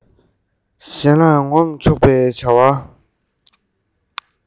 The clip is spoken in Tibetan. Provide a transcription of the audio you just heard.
གཞན ལ ངོམ ཆོག པའི བྱ བ